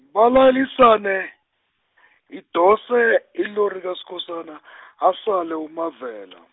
balayelisane, idose ilori kaSkhosana , asale uMavela.